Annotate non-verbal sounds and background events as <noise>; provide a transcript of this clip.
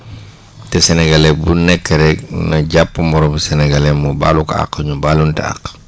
<breath> te sénégalais bu nekk rek na jàpp moromu sénégalais mu baalu ko àq ñu baalonte àq